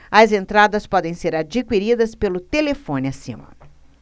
as entradas podem ser adquiridas pelo telefone acima